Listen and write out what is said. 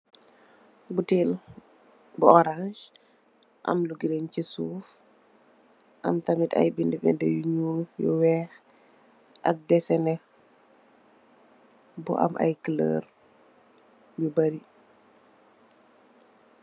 Botel bu orance amlu girin se suuf am tamin aye bede bede yu nuul yu weex ak desene bu am aye koloor yu bary.